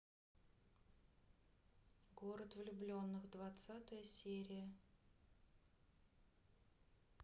город влюбленных двадцатая серия